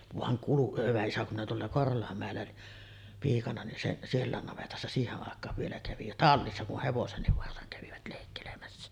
vaan - hyvä isä kun minä tuolla Korholanmäellä piikana niin se sielläkin navetassa siihen aikaan vielä kävi ja tallissa kun hevosenkin varsan kävivät leikkelemässä